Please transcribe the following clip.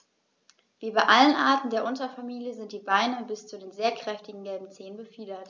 Wie bei allen Arten der Unterfamilie sind die Beine bis zu den sehr kräftigen gelben Zehen befiedert.